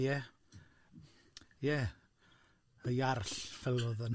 Ie, ie, y Iarll fel oedd o'n.